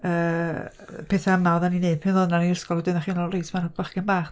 yy, y pethau yma oedden ni'n wneud pan oedden ni yn yr ysgol. Wedyn o'ch chi'n meddwl, reit, ma' bachgen bach...